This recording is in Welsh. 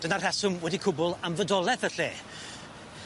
Dyna'r rheswm wedi cwbl am fydoleth y lle.